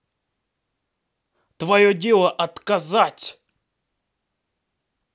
твое дело отказать